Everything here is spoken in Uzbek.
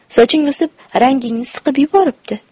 soching o'sib rangingni siqib yuboribdi